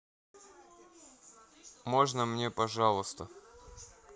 можно мне пожалуйста